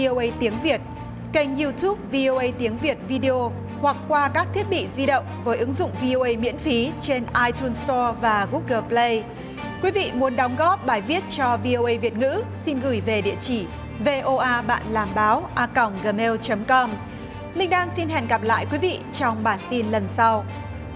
âu ây tiếng việt kênh iu túp vi âu ây tiếng việt vi đi ô hoặc qua các thiết bị di động với ứng dụng vi âu ây miễn phí trên ai tun sờ to và gúc gồ pờ lây quý vị muốn đóng góp bài viết cho vi âu ây việt ngữ xin gửi về địa chỉ vê ô a bạn làm báo a còng gờ meo chấm com linh đan xin hẹn gặp lại quý vị trong bản tin lần sau